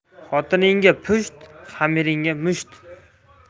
xotinga pusht xamirga musht